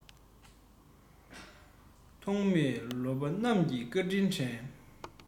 ཐོགས མེད ལོ པཎ རྣམས ཀྱི བཀའ དྲིན དྲན